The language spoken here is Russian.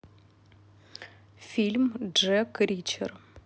фильм джек ричер